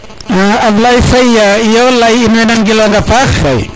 Ablaye Faye iyo leyi in way nan gil wanga paax